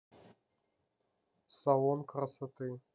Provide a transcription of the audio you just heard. салон красоты